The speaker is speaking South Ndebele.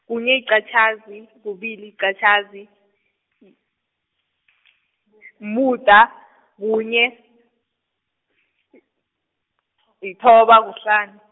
kunye, yiqatjhazi, kubili, yiqatjhazi, m- umuda, kunye, lithoba kuhlanu.